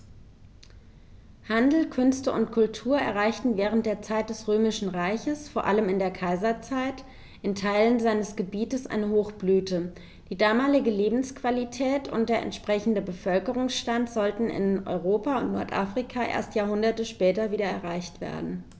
Handel, Künste und Kultur erreichten während der Zeit des Römischen Reiches, vor allem in der Kaiserzeit, in Teilen seines Gebietes eine Hochblüte, die damalige Lebensqualität und der entsprechende Bevölkerungsstand sollten in Europa und Nordafrika erst Jahrhunderte später wieder erreicht werden.